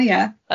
O ia?